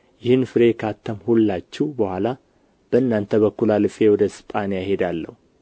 ይህን ፍሬ ካተምሁላቸው በኋላ በእናንተ በኩል አልፌ ወደ እስጳንያ እሄዳለሁ